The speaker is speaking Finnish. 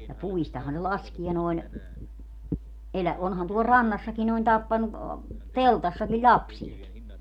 ja puistahan ne laskee noin - onhan tuolla rannassakin noin tappanut teltassakin lapsiakin